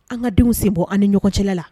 An ka denw sen bɔ an ni ɲɔgɔn cɛla la